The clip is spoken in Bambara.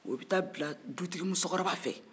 o bɛ taa bila dutigi musokɔrɔba fɛ